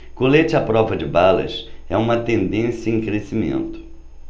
colete à prova de balas é uma tendência em crescimento